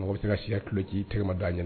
Mɔgɔ bɛ se ka sɛ tulo ci i tɛgɛ ma d'a ɲɛ na.